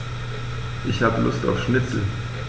Ich habe Lust auf Schnitzel.